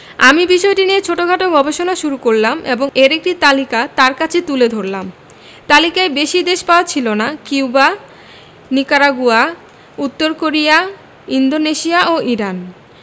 আমি বিষয়টি নিয়ে ছোটখাটো গবেষণা শুরু করলাম এবং এর একটি তালিকা তাঁর কাছে তুলে ধরলাম তালিকায় বেশি দেশ পাওয়া ছিল না কিউবা নিকারাগুয়া উত্তর কোরিয়া ইন্দোনেশিয়া ও ইরান